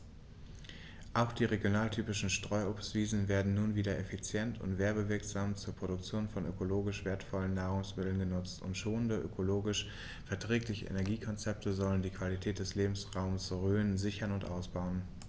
Auch die regionaltypischen Streuobstwiesen werden nun wieder effizient und werbewirksam zur Produktion von ökologisch wertvollen Nahrungsmitteln genutzt, und schonende, ökologisch verträgliche Energiekonzepte sollen die Qualität des Lebensraumes Rhön sichern und ausbauen.